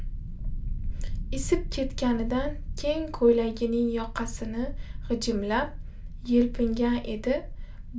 issiqlab ketganidan keng ko'ylagining yoqasini g'ijimlab yelpingan edi